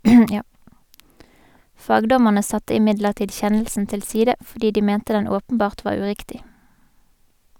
Fagdommerne satte imidlertid kjennelsen til side, fordi de mente den åpenbart var uriktig.